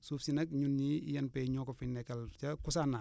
suuf si nag ñun ñii INP ñoo ko fi nekkal ca Kousanaar